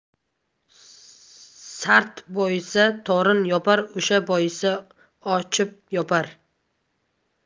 sart boyisa torn yopar osha boyisa ochib yopar